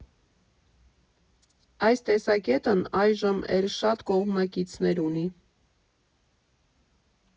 Այս տեսակետն այժմ էլ շատ կողմնակիցներ ունի։